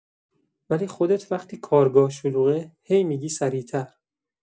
ولی خودت وقتی کارگاه شلوغه، هی می‌گی سریع‌تر.